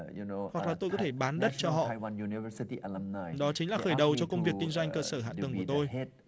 hoặc là tôi có thể bán đất cho họ đó chính là khởi đầu cho công việc kinh doanh cơ sở hạ tầng của tôi